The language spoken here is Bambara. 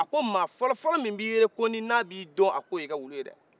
a ko ma fɔlɔfɔlɔ min b'i reconu na b'i dɔn a ko y'i ka wulu ye dɛ